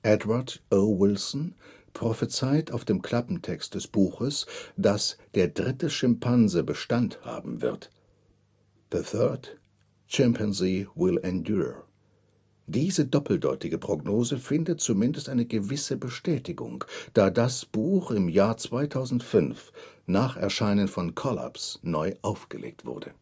Edward O. Wilson prophezeit auf dem Klappentext des Buches, dass Der dritte Schimpanse Bestand haben wird („ the third chimpanzee will endure “). Diese doppeldeutige Prognose findet zumindest eine gewisse Bestätigung, da das Buch im Jahr 2005 – nach Erscheinen von Kollaps – neu aufgelegt wurde